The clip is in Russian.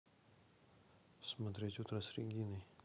смотреть утро с региной